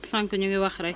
sànq ñu ngi wax rek